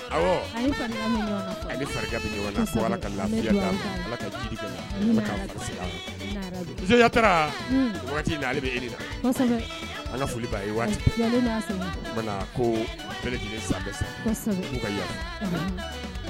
Ala ka lafi taara waati da ale bɛ e la an ka foli ye waati ko